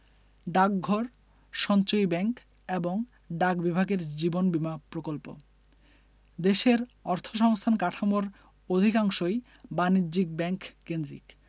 ডাকঘর সঞ্চয়ী ব্যাংক এবং ডাক বিভাগের জীবন বীমা প্রকল্প দেশের অর্থসংস্থান কাঠামোর অধিকাংশই বাণিজ্যিক ব্যাংক কেন্দ্রিক